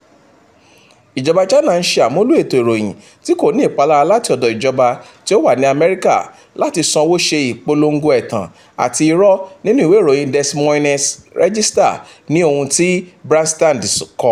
"Ìjọba China ń ṣe àmúlò ètò ìròyìn tí kò ní ìpalára láti ọ̀dọ̀ ìjọba tí ó wà ní Amẹ́ríkà láti sanwó ṣe ìpolongo ẹ̀tàn àti irọ́ nínú ìwé ìròyìn Des Moines Register,” ni ohun tí Branstad kọ.